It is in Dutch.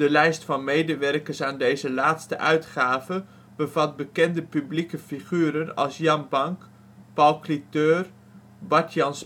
lijst van medewerkers aan deze laatste uitgave bevat bekende publieke figuren als Jan Bank, Paul Cliteur, Bart Jan